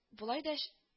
Болай да ч